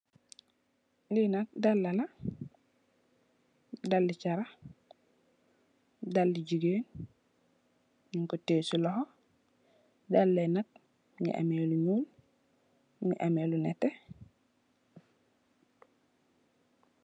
Li nak daal la , daala chairax, daale jigeen nu ko teyi ci loxo, daala nak mu ngi amme lu nuul, mu amme lu nete.